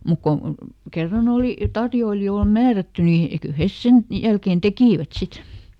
mutta kun kerran oli tarjoilijoille määrätty niin kyllä he sen jälkeen tekivät sitten